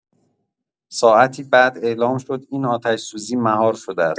ساعتی بعد اعلام شد این آتش‌سوزی مهار شده است.